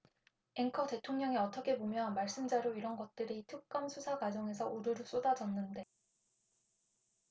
앵커 대통령이 어떻게 보면 말씀자료 이런 것들이 특검 수사 과정에서 우루루 쏟아졌는데